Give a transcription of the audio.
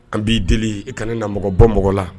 An b'i deli i kan na mɔgɔ bɔ mɔgɔ la